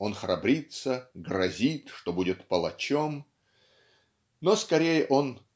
он храбрится, грозит, что будет палачом, но скорее он